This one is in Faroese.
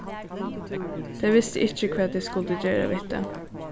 tey vistu ikki hvat tey skuldu gera við tað